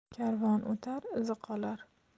karvon o'tar izi qolar